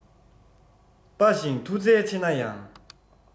དཔའ ཞིང མཐུ རྩལ ཆེ ན ཡང